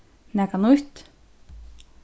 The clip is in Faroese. nakað nýtt